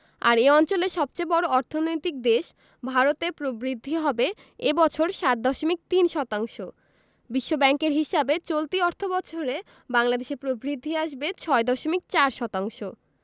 আর এ অঞ্চলের সবচেয়ে বড় অর্থনৈতিক দেশ ভারতের প্রবৃদ্ধি হবে এ বছর ৭.৩ শতাংশ বিশ্বব্যাংকের হিসাবে চলতি অর্থবছরে বাংলাদেশের প্রবৃদ্ধি আসবে ৬.৪ শতাংশ